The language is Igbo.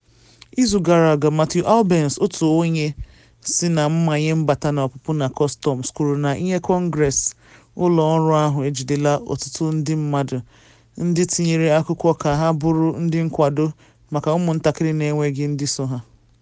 Izu gara aga, Matthew Albence, otu onye isi na Mmanye Mbata na Ọpụpụ na Kọstọms, kwuru n’ihu Kọngress na ụlọ ọrụ ahụ ejidela ọtụtụ ndị mmadụ ndị tinyere akwụkwọ ka ha bụrụ ndị nkwado maka ụmụ ntakịrị na enweghị ndị so ha.